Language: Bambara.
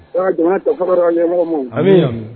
Jamana tɛ fa an ɲɛmɔgɔ ma